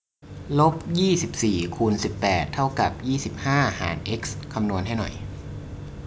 ลบยี่สิบสี่คูณสิบแปดเท่ากับยี่สิบห้าหารเอ็กซ์คำนวณให้หน่อย